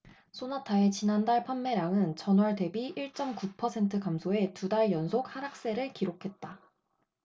쏘나타의 지난달 판매량은 전월 대비 일 쩜 구 퍼센트 감소해 두 달 연속 하락세를 기록했다